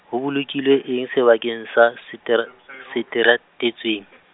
ho bolokilwe eng sebakeng sa se tera-, se teratetsweng .